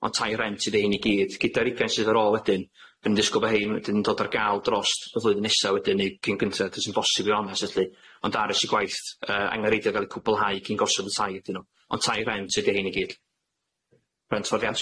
ond tair rent ydi rhein i gyd gyda'r ugen sydd ar ôl wedyn yn disgwl bo hein wedyn yn dod ar ga'l drost y flwyddyn nesa wedyn neu cyn dyntad a sy'n yn bosib i'w onest felly ond aros i gwaith yy angynrheidiol ga'l 'i cwpwlhau cyn gosod y tai iddyn nw ond tai rhent ydi hein i gyd rent fforiadwy.